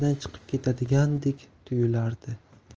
ramkadan chiqib ketadigandek tuyulardi